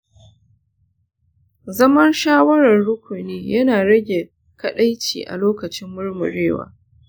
zaman shawarar rukuni yana rage kaɗaici a lokacin murmurewa.